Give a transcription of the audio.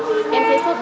em thấy